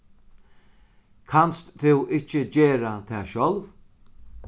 kanst tú ikki gera tað sjálv